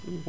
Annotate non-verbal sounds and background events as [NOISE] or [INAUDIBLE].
[HESITATION]